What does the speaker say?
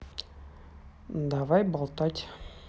давай болтать